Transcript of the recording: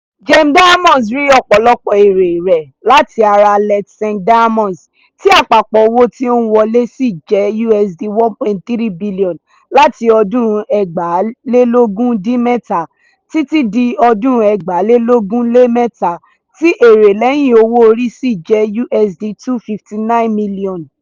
GEM Diamonds rí ọ̀pọ̀lọpọ̀ èrè rẹ̀ láti ara Letseng Diamonds, tí àpapọ̀ owó tí ó ń wọlé sì jẹ́ USD 1.3 bílíọ̀nù láti ọdún 2017 títí di ọdún 2023 tí èrè lẹ́yìn owó orí sì jẹ́ USD 259 mílíọ̀nù.